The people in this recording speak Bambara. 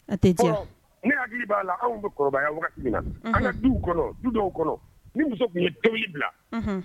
Ne hakili b'a la anw bɛ kɔrɔbaya na du du ni muso tun bɛ bila